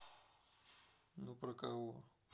ну про кого